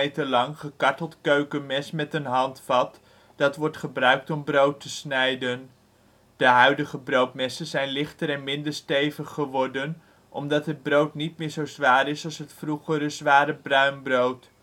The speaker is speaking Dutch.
cm lang gekarteld keukenmes met een handvat, dat wordt gebruikt om brood te snijden. De huidige broodmessen zijn lichter en minder stevig geworden, omdat het brood niet meer zo zwaar is als het vroegere zware bruinbrood